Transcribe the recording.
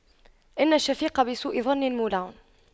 إن الشفيق بسوء ظن مولع